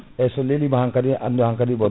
eyyi so leelima hankadi andu hankadi ko